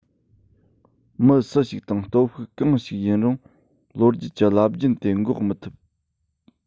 མི སུ ཞིག དང སྟོབས ཤུགས གང ཞིག ཡིན རུང ལོ རྒྱུས ཀྱི རླབས རྒྱུན དེ འགོག མི ཐུབ